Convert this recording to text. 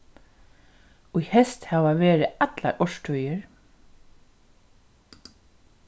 í heyst hava verið allar árstíðir